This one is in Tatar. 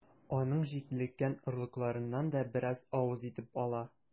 Аның җитлеккән орлыкларыннан да бераз авыз итеп ала.